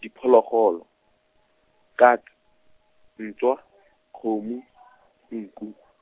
diphologolo, kat-, ntswa, kgomo, nku.